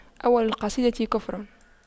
أول القصيدة كفر